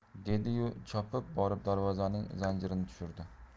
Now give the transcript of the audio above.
dedi yu chopib borib darvozaning zanjirini tushirdi